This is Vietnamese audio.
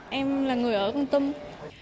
em là người ở con tum